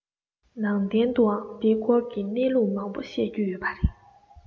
ནང བསྟན དུའང འདིའི སྐོར གྱི གནས ལུགས མང པོ བཤད རྒྱུ ཡོད པ རེད